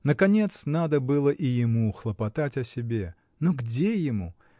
Наконец надо было и ему хлопотать о себе. Но где ему?